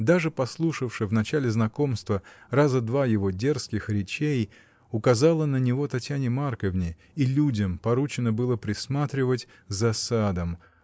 даже послушавши, в начале знакомства, раза два его дерзких речей, указала на него Татьяне Марковне, и людям поручено было присматривать за садом.